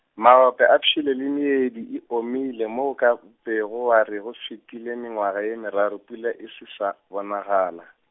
maope a pšhele le meedi e omile mo o ka bego wa re go fetile mengwaga ye meraro pula e se sa bonagala.